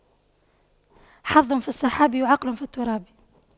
حظ في السحاب وعقل في التراب